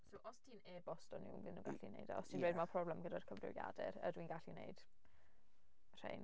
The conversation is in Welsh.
So os ti'n e-bosto nhw, fydd nhw'n gallu wneud o. Os ti'n gweud "mae problem gyda'r cyfrifiadur. Ydw i'n gallu neud rhein"?